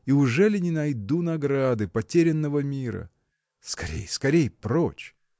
И ужели не найду награды: потерянного мира? Скорей, скорей прочь!.